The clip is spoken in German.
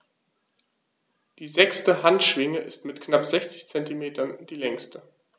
Die sechste Handschwinge ist mit knapp 60 cm die längste.